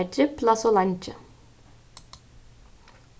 teir dribbla so leingi